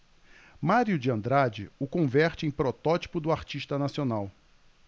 mário de andrade o converte em protótipo do artista nacional